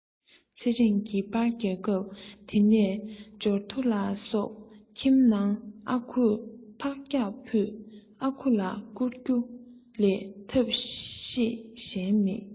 ཚེ རིང གི པར བརྒྱབ སྐབས དེ ནས འབྱོར ཐོ ལ སོགས ཁྱིམ ནང ཨ ཁུ ཕག སྐྱག ཕུད ཨ ཁུ ལ བསྐུར རྒྱུ ལས ཐབས ཤེས གཞན མེད